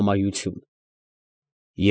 Ամայություն։